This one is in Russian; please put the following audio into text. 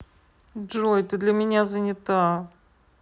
джой ты для меня занята